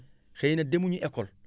xëy na demuñu école